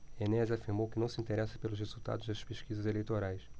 enéas afirmou que não se interessa pelos resultados das pesquisas eleitorais